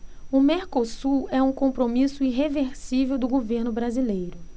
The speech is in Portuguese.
o mercosul é um compromisso irreversível do governo brasileiro